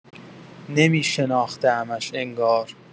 نمی‌شناخته‌امش انگار.